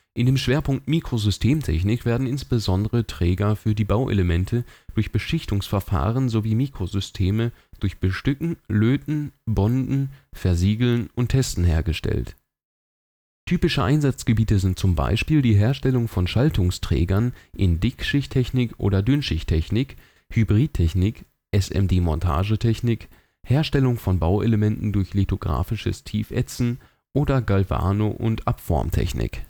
In dem Schwerpunkt " Mikrosystemtechnik " werden insbesondere Träger für die Bauelemente durch Beschichtungsverfahren sowie Mikrosysteme durch Bestücken, Löten, Bonden, Versiegeln und Testen hergestellt. Typische Einsatzgebiete sind zum Beispiel die Herstellung von Schaltungsträgern in Dickschichttechnik oder Dünnschichttechnik, Hybridtechnik, SMD-Montagetechnik, Herstellung von Bauelementen durch lithografisches Tiefätzen oder Galvano - und Abformtechnik